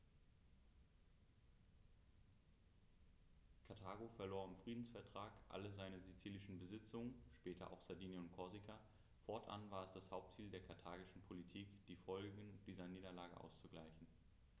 Karthago verlor im Friedensvertrag alle seine sizilischen Besitzungen (später auch Sardinien und Korsika); fortan war es das Hauptziel der karthagischen Politik, die Folgen dieser Niederlage auszugleichen.